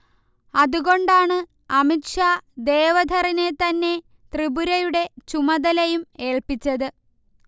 അതുകൊണ്ടാണ് അമിത് ഷാ ദേവധറിനെ തന്നെ ത്രിപുരയുടെ ചുമതലയും ഏൽപിച്ചത്